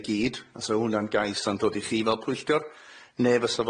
i gyd fysa hwnna'n gais sa'n dod i chi fel pwyllgor ne fysa